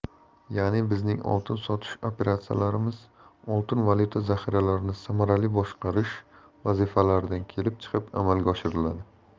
ya'ni bizning oltin sotish operatsiyalarimiz oltin valyuta zaxiralarini samarali boshqarish vazifalaridan kelib chiqib amalga oshiriladi